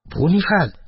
Бу ни хәл?